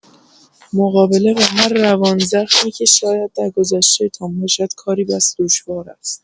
مقابله با هر روانزخمی که شاید در گذشته‌تان باشد کاری بس دشوار است.